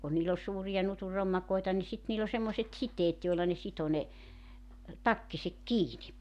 kun niillä oli suuria nutun rommakoita niin sitten niillä oli semmoiset siteet joilla ne sitoi ne takkinsa kiinni